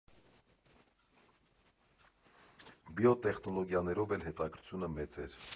Բիոտեխնոլոգիաներով էլ հետաքրքրությունը մեծ էր։